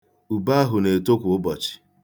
Ube ahụ na-eto kwa ụbọchị.